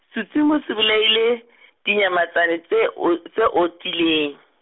setsomi se bolaile , di nyamatsana tse o, tse otileng.